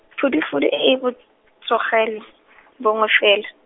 phudufudu e e botsogelo , bongwe fela.